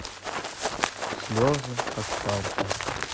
слезы асфальта